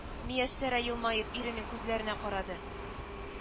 —мияссәрә елмаеп иренең күзләренә карады